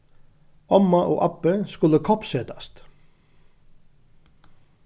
omma og abbi skulu koppsetast